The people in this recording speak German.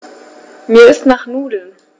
Mir ist nach Nudeln.